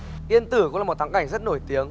yên tử cũng là một thắng cảnh rất nổi tiếng